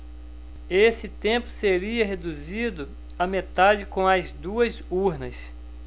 esse tempo seria reduzido à metade com as duas urnas